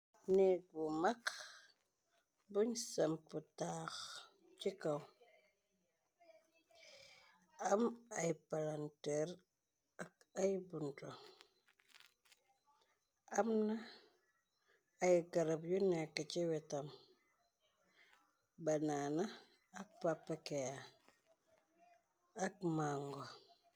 Nek bu max buñ samp taax ci kaw am ay palantër. Ak ay buntu am na ay garab yu nekk ci wetam banaana ak pappkee ak màngo.